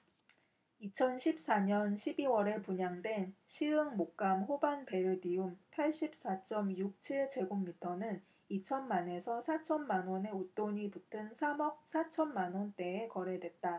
이천 십 사 년 십 이 월에 분양된 시흥목감호반베르디움 팔십 사 쩜 육 칠 제곱미터는 이천 만 에서 사천 만원의 웃돈이 붙은 삼 억 사천 만원대에 거래됐다